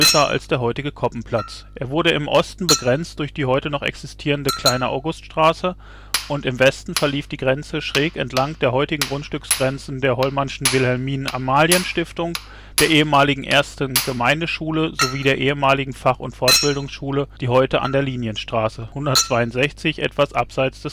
war deutlich größer als der heutige Koppenplatz. Er wurde im Osten begrenzt durch die heute noch existierende Kleine Auguststraße und im Westen verlief die Grenze schräg entlang der heutigen Grundstücksgrenzen der Hollmannschen Wilhelminen-Amalien-Stiftung, der ehemaligen 1. Gemeindeschule sowie der ehemaligen Fach - und Fortbildungsschule, die heute an der Linienstraße 162 etwas abseits